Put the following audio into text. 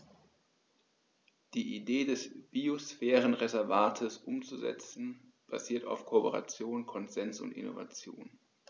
Die Idee des Biosphärenreservates umzusetzen, basiert auf Kooperation, Konsens und Innovation.